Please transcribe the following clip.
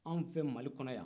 anw fɛ mali kɔnɔ ya